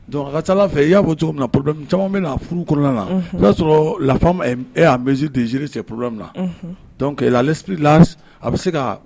Donc a ka ca Ala fɛ i y'a fɔ cogo min na problème bɛna furu kɔnɔ na, unhun, i b'a sɔrɔ la femme est en mesure de gérer ces problèmes là, unhun, elle a l'esprit large, donc a bɛ se ka